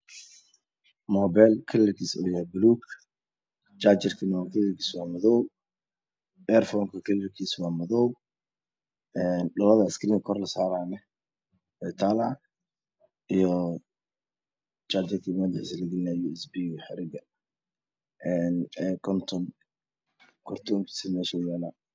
Mobil kalarkiisu yahay bulug jajarka waa madaw ayrafooka kalarkiisu waa madaw